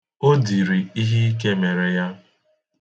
O diri ihe ike mere ya.